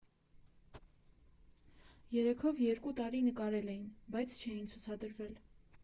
Երեքով երկու տարի նկարել էին, բայց չէին ցուցադրվել։